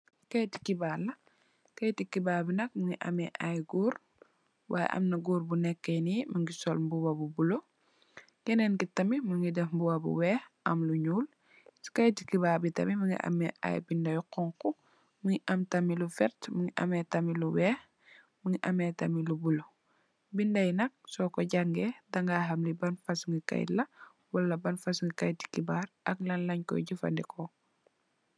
Li kayeti xebarla kayeti xibar bi nak mungi ame ay goor way am na Goor bu neké ni mungi sol lu bula kenen ki tamit mungi mbuba bu bula am lu wex am lu njul kayeti xibar bi tamit mungi ame ay binda yu xonxu mungi am lu wert mungi tamit lu wex mungi ame tamit lu bula beidayi soko jange dinga can li ban fasong kayito la ak lunko jafandiko